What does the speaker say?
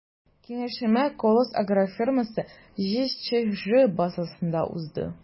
Киңәшмә “Колос” агрофирмасы” ҖЧҖ базасында узды.